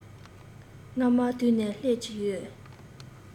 རྔ མ དུད ནས སླེབས ཀྱི ཡོད